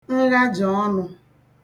nghajàọnụ̄